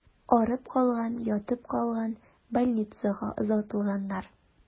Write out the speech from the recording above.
Арып калган, ятып калган, больницага озатылганнар.